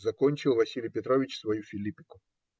- закончил Василий Петрович свою филиппику.